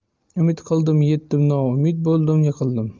umid qildim yetdim noumid bo'ldim yiqildim